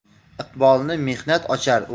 iqbolni mehnat ochar